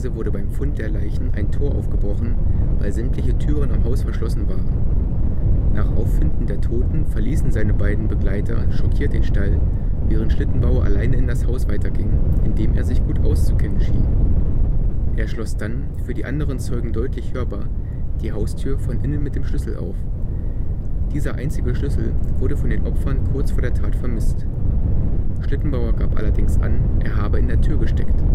wurde beim Fund der Leichen ein Tor aufgebrochen, weil sämtliche Türen am Hof verschlossen waren. Nach Auffinden der Toten verließen seine beiden Begleiter schockiert den Stall, während Schlittenbauer alleine in das Haus weiterging, in dem er sich gut auszukennen schien. Er schloss dann – für die anderen Zeugen deutlich hörbar – die Haustür von innen mit dem Schlüssel auf. Dieser einzige Schlüssel wurde von den Opfern kurz vor der Tat vermisst. Schlittenbauer gab allerdings an, er habe in der Tür gesteckt